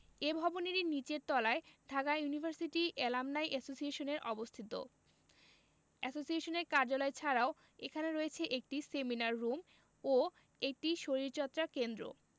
এ ভবনেরই নিচের তলায় ঢাকা ইউনিভার্সিটি এলামনাই এসোসিয়েশন অবস্থিত এসোসিয়েশনের কার্যালয় ছাড়াও এখানে রয়েছে একটি সেমিনার রুম ও একটি শরীরচর্চা কেন্দ্র